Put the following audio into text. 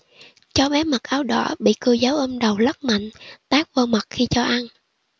cháu bé mặc áo đỏ bị cô giáo ôm đầu lắc mạnh tát vào mặt khi cho ăn